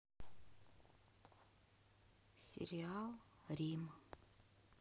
сериал рим